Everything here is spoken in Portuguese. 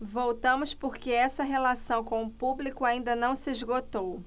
voltamos porque essa relação com o público ainda não se esgotou